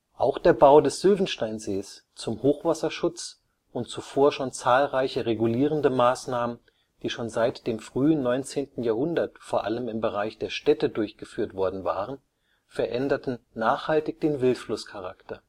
Auch der Bau des Sylvensteinsees zum Hochwasserschutz und zuvor schon zahlreiche regulierende Maßnahmen, die schon seit dem frühen 19. Jahrhundert vor allem im Bereich der Städte durchgeführt worden waren, veränderten nachhaltig den Wildflusscharakter